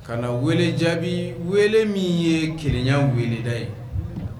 Ka wele jaabi wele min ye kelenya weeleda ye